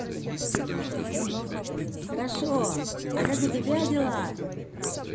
хорошо а как у тебя дела